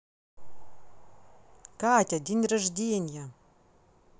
катя день рождения